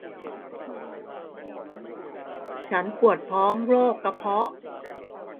ฉันปวดท้องโรคกระเพาะ